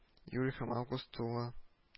Июль һәм август тулы